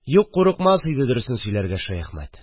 Юк, курыкмас иде дөресен сөйләргә Шәяхмәт